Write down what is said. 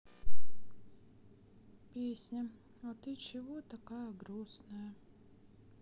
песня а ты чего такая грустная